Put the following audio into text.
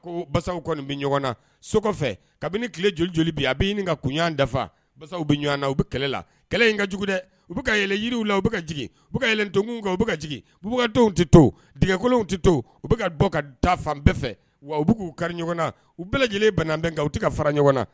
Kɔfɛ kabini joli joli a bɛ ɲini kun dafasaw bɛ ɲɔgɔn na u bɛ kɛlɛ la kɛlɛ in ka jugu dɛ u bɛ yɛlɛ yiriw la u u to kan uugdenw tɛ to dkolow tɛ to u bɛ ka ka dafa fan bɛɛ fɛ wa u bɛ k' uu kari ɲɔgɔn na u bɛɛ lajɛlen banabɛn kan u ka fara ɲɔgɔn na